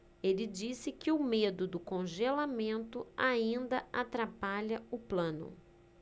ele disse que o medo do congelamento ainda atrapalha o plano